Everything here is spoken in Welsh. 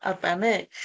Arbennig.